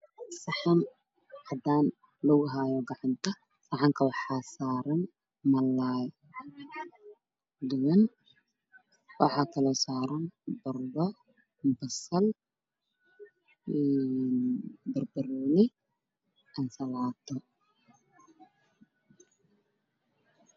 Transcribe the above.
Saxan cadaan lagu haayo gacanta saxanka waxaa saaran malaay duban waxaa kaloo saaran barandho basal barbarooni ansalaato